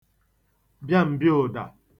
bịam̀bịaụ̀dà